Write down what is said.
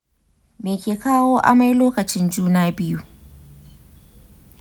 me ke kawo amai lokacin juna biyu?